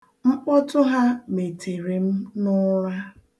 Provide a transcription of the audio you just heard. Mkpọtụ ha metere m n'ụra.